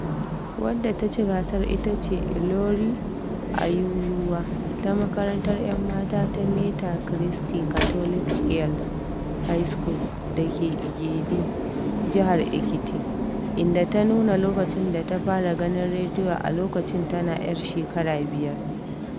Wadda ta ci gasar ita ce Ìlọ̀rí Ayọ̀olúwa ta makarantar 'yan mata ta Mater Christi Catholic Girls' High School da ke Igede, Jihar Ekiti, inda ta tuno lokacin da ta fara ganin rediyo a lokacin tana 'yar shekara 5: